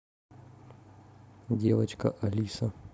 девочка алиса